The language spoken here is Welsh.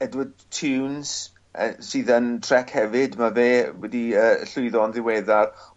Edward Theuns yy sydd yn y Trek hefyd ma' fe wedi yy llwyddo yn ddiweddar